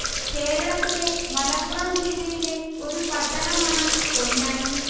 കേരളത്തിലെ മലപ്പുറം ജില്ലയിലെ ഒരു പട്ടണമാണ് പൊന്നാനി